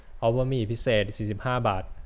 เอาบะหมี่พิเศษสี่สิบห้าบาท